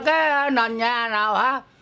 cái nền nhà hả